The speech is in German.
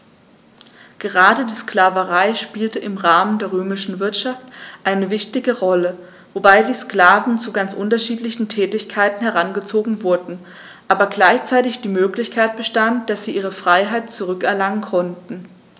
Gerade die Sklaverei spielte im Rahmen der römischen Wirtschaft eine wichtige Rolle, wobei die Sklaven zu ganz unterschiedlichen Tätigkeiten herangezogen wurden, aber gleichzeitig die Möglichkeit bestand, dass sie ihre Freiheit zurück erlangen konnten.